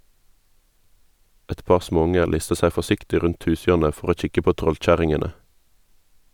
Et par småunger lister seg forsiktig rundt hushjørnet for å kikke på trollkjerringene ...